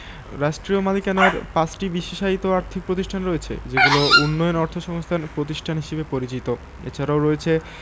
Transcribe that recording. রাষ্ট্রীয় মালিকানার ৫টি বিশেষায়িত আর্থিক প্রতিষ্ঠান রয়েছে যেগুলো উন্নয়ন অর্থসংস্থান প্রতিষ্ঠান হিসেবে পরিচিত এছাড়াও রয়েছে